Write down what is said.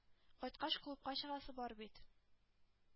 Кайткач, клубка чыгасы бар бит.